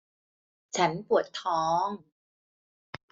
ฉันปวดท้อง